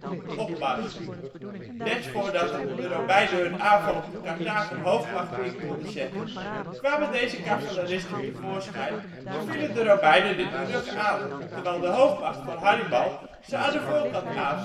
opmars. Net voordat de Romeinen hun aanval op de Carthager hoofdmacht in konden zetten kwamen deze cavaleristen tevoorschijn en vielen de Romeinen in de rug aan, terwijl de hoofdmacht van Hannibal ze van de voorkant aanviel. De